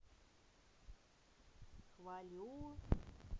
хвалю